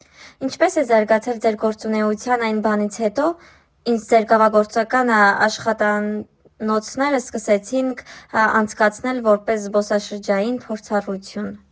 Ինչպե՞ս է զարգացել ձեր գործունեությունն այն բանից հետո, ինչ ձեր կավագործական աշխատանոցները սկսեցիք անցկացնել որպես զբոսաշրջային փորձառություն։